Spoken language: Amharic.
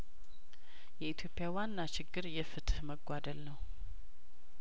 የኢትዮጵያ ዋና ችግር የፍትህ መጓደል ነው